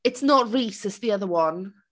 It's not Reece. It's the other one.